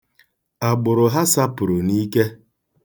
Agbụrụ ha sapụrụ n'ike.